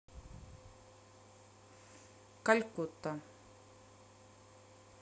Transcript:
калькутта